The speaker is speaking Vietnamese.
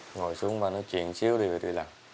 ngồi xuống ba nói chuyện chút xíu đi rồi đi làm